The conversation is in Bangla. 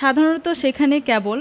সাধারণত সেখানে কেবল